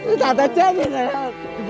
thà tao chết đi còn hơn